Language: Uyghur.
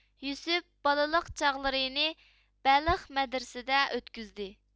يۈسۈپ بالىلىق چاغلىرىنى بەلخ مەدرىسىدە ئۆتكۈزدى